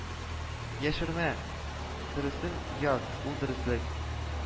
Яшермә, дөресен яз, ул дөреслек